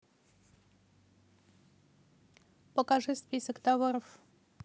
покажи список товаров